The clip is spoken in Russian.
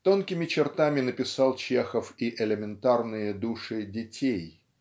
Тонкими чертами написал Чехов и элементарные души детей.